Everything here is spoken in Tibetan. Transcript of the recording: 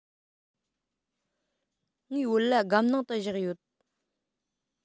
ངའི བོད ལྭ སྒམ ནང དུ བཞག ཡོད